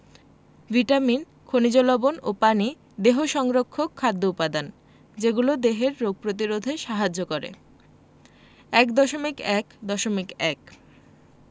vitamin খনিজ লবন ও পানি দেহ সংরক্ষক খাদ্য উপাদান যেগুলো দেহের রোগ প্রতিরোধে সাহায্য করে ১.১.১